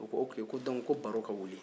u ko ko ok ko donc baro ka wuli